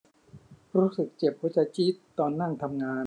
รู้สึกเจ็บหัวใจจี๊ดตอนนั่งทำงาน